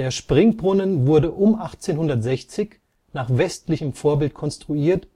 Springbrunnen wurde um 1860 nach westlichem Vorbild konstruiert